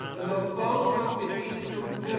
een door postrock beïnvloede nummer